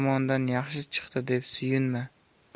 yomondan yaxshi chiqdi deb suyunma